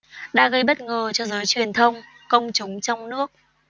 đã gây bất ngờ cho giới truyền thông công chúng trong nước